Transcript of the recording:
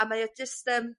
a mae o jyst yym